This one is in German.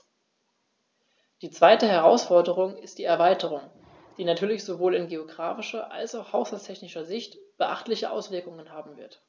Die zweite Herausforderung ist die Erweiterung, die natürlich sowohl in geographischer als auch haushaltstechnischer Sicht beachtliche Auswirkungen haben wird.